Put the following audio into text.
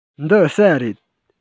འདི ཟྭ རེད